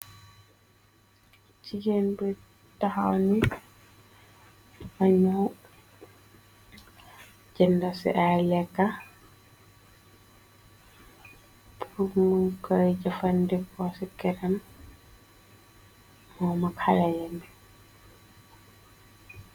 Gigain bu takhaw nii, dafa njow jenda cii aiiy lehkah, pur mu munkoi jeufandehkor cii kerram, mom ak halem yii.